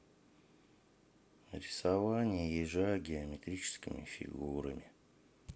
рисования ежа геометрическими фигурами